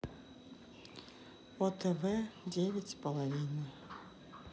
отв девять с половиной